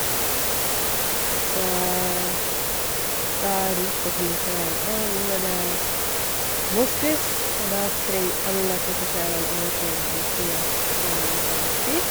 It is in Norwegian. Så da roper konduktøren Å, nå er det moskus, og da springer aller passasjerene over til den sia som han sier.